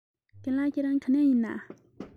རྒན ལགས ཁྱེད རང ག ནས ཡིན ན